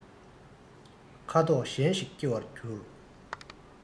ཁ དོག གཞན ཞིག སྐྱེ བར འགྱུར